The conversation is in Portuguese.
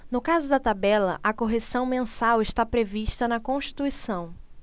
no caso da tabela a correção mensal está prevista na constituição